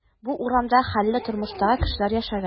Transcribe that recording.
Бу урамда хәлле тормыштагы кешеләр яшәгән.